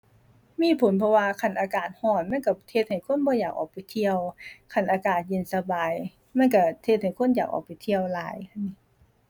มีผล เพราะว่าคันอากาศร้อนมันร้อนเฮ็ดให้คนบ่อยากออกไปเที่ยว คันอากาศเย็นสบายมันร้อนเฮ็ดให้คนอยากออกไปเที่ยวหลาย